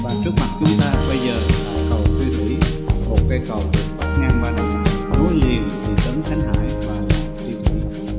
trước mặt chúng ta bây giờ là cầu tri thủy một cây cầu được bắc ngang qua đầm nại nối liền thị trấn khánh hải và thôn tri thủy